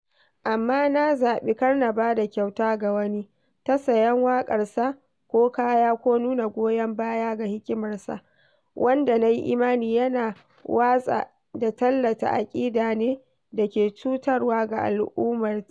"Amma na zaɓi kar na ba da kyauta ga wani (ta sayan waƙarsa ko kaya ko nuna goyon baya ga "hikimarsa") wanda na yi imani yana watsa da tallata aƙida ne da ke cutarwa ga al'ummata.